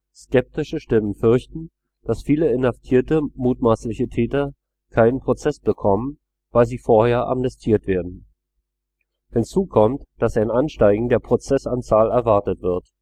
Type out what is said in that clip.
Skeptische Stimmen fürchten, dass viele inhaftierte mutmaßliche Täter keinen Prozess bekommen, weil sie vorher amnestiert werden. Hinzu kommt, dass ein Ansteigen der Prozessanzahl erwartet wird